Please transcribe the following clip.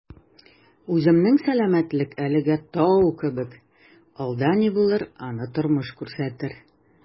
Үземнең сәламәтлек әлегә «тау» кебек, алда ни булыр - аны тормыш күрсәтер...